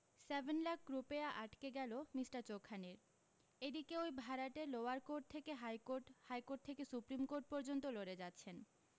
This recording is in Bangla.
সেভেন লাখ রুপেয়া আটকে গেলো মিষ্টার চোখানির এদিকে ওই ভাড়াটে লোয়ার কোর্ট থেকে হাইকোর্ট হাইকোর্ট থেকে সুপ্রিম কোর্ট পর্য্যন্ত লড়ে যাচ্ছেন